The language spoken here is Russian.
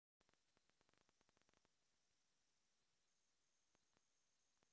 зарядка с мистером крабом